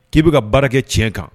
K'i bɛ ka baara kɛ tiɲɛ kan